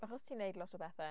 Achos ti'n wneud lot o bethe.